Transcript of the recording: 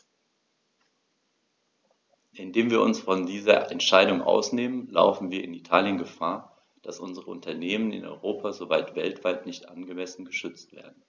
Indem wir uns von dieser Entscheidung ausnehmen, laufen wir in Italien Gefahr, dass unsere Unternehmen in Europa sowie weltweit nicht angemessen geschützt werden.